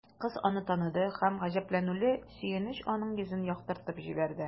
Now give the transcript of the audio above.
Кыз аны таныды һәм гаҗәпләнүле сөенеч аның йөзен яктыртып җибәрде.